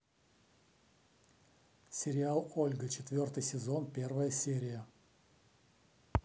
сериал ольга четвертый сезон первая серия